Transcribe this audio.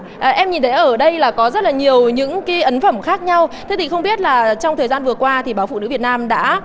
em nhìn thấy ở đây là có rất là nhiều những cái ấn phẩm khác nhau thế thì không biết là trong thời gian vừa qua thì báo phụ nữ việt nam đã